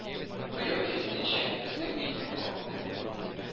Быел, киресенчә, безнең илнең күп